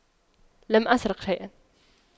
لم أسرق شيء